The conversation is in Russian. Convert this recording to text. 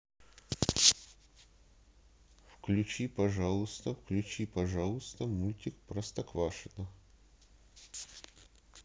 включи пожалуйста включи пожалуйста мультик простоквашино